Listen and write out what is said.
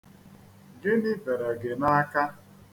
Gịnị bere gị n'aka.